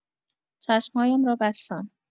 چشم‌هایم را بستم.